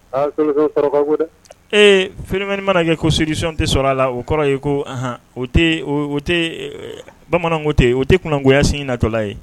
Aa solution sɔrɔ ka gon dɛ ee phénomène mana kɛ ko solution tɛ sɔr'a la o kɔrɔ ye koo aanhan o te o o te bamananw ko ten o te kunangoya signe natɔla ye